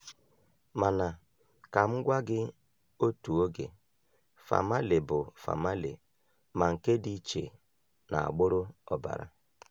Mana, ka m gwa gị otu oge, famalay bụ famalay ma nke dị iche n'agbụrụ ọbara